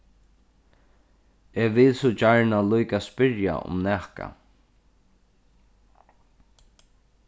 eg vil so gjarna líka spyrja um nakað